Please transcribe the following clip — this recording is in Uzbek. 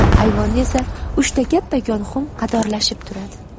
ayvonda esa uchta kattakon xum qatorlashib turadi